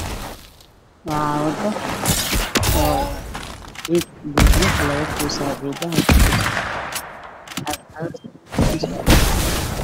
Waa wado oo ciid ah